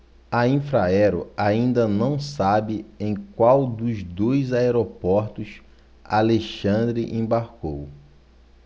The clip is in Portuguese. a infraero ainda não sabe em qual dos dois aeroportos alexandre embarcou